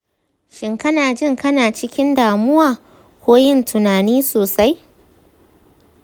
shin kanajin kana cikin damuwa ko yin tunani sosai?